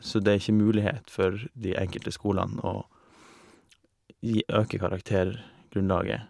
Så det er ikke mulighet for de enkelte skolene å gi øke karaktergrunnlaget.